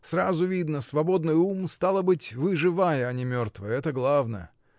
Сразу видно — свободный ум, — стало быть, вы живая, а не мертвая: это главное.